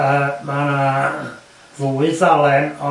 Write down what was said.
yy ma' 'na ddwy ddalen o-.